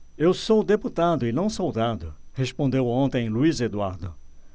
eu sou deputado e não soldado respondeu ontem luís eduardo